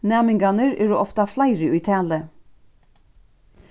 næmingarnir eru ofta fleiri í tali